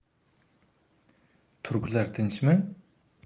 turklar tinchmi